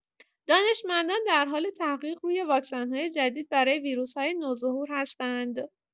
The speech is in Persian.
دانشمندان در حال تحقیق روی واکسن‌های جدید برای ویروس‌های نوظهور هستند.